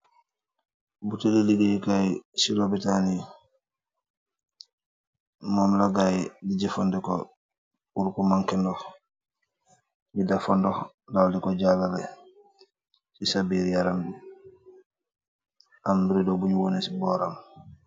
Butèèlli liggéyi kaay silobitan yi mom la ngayi di jëfandeko purr ku manke ndox ñi defal la ndox dal di ko jaarale ci sa biir yaramb am redo buñ waneh ci bóram.